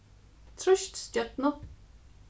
trýst stjørnu